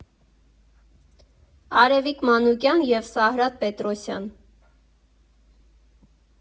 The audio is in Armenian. Արևիկ Մանուկյան և Սարհատ Պետրոսյան.